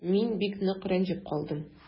Мин бик нык рәнҗеп калдым.